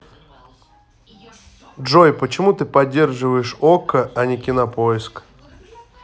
джой почему ты поддерживаешь okko а не кинопоиск